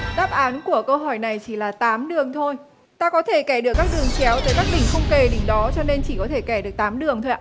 đáp án của câu hỏi này chỉ là tám đường thôi ta có thể kẻ được các đường chéo tới các đỉnh không kề đỉnh đó cho nên chỉ có thể kẻ được tám đường thôi ạ